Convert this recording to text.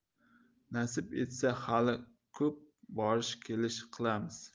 nasib etsa hali ko'p borish kelish qilamiz